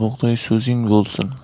bug'doy so'zing bo'lsin